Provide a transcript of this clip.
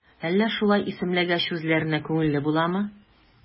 Әллә шулай исемләгәч, үзләренә күңелле буламы?